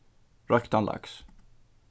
royktan laks